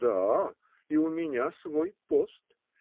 Да, и у меня свой пост!